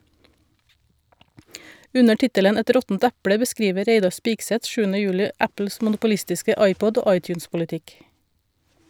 Under tittelen "Et råttent eple" beskriver Reidar Spigseth 7. juli Apples monopolistiske iPod- og iTunes-politikk.